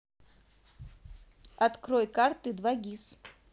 открой карты два гис